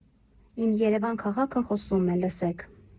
Իմ Երևան Քաղաքը խոսում է, լսեք։